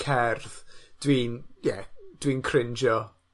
cerdd, dwi'n ie, dwi'n crinjo.